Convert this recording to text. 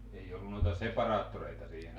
ei ollut noita separaattoreita siihen aikaan